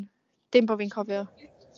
dim bo' fi'n cofio.